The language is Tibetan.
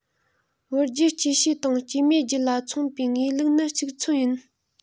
བུ རྒྱུད སྐྱེད བྱེད དང སྐྱེད མའི རྒྱུད ལ མཚུངས པའི ངེས ལུགས ནི གཅིག མཚུངས ཡིན